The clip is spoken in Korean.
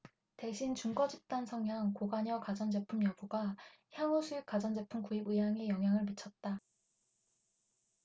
대신 준거집단 성향 고관여가전제품 여부가 향후수입 가전제품 구입 의향에 영향을 미쳤다